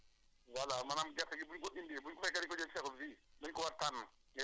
kon loolu yëpp béykat bi su ko boolee war na am pexe boo xam ne war na ko mën a lal